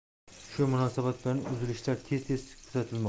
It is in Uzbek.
shu munosabat bilan uzilishlar tez tez kuzatilmoqda